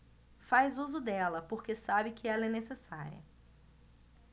faz uso dela porque sabe que ela é necessária